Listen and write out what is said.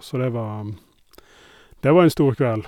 Så det var det var en stor kveld.